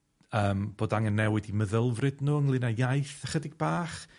yym bod angen newid meddylfryd nw ynglŷn â iaith ychydig bach